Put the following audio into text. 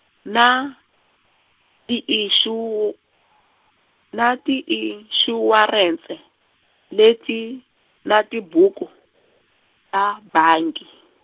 na, tiixuu-, na tinxuwarense, leti, na tibuku, ta bangi.